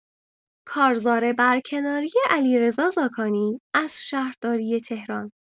کارزار برکناری علیرضا زاکانی از شهرداری تهران